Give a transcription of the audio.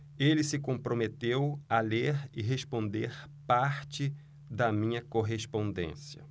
ele se comprometeu a ler e responder parte da minha correspondência